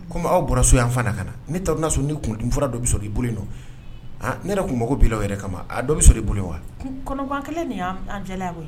Comme aw bɔra so yan fan na ka na; ne t’a dɔn n’a y’a sɔrɔ ni kunkolo dimi fɔra dɔ bɛ sɔrɔ i bolo in nɔn, an, ne yɛrɛ tun mago b’i la o yɛrɛ kama a dɔ bɛ sɔrɔ i bolo wa? kɔnɔguwan kelen ne y’an cɛ la koyi.